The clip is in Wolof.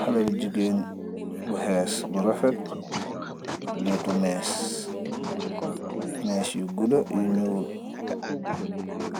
Haleh bu jigeen bu hess bu refet leetu mess mess mess yu gudu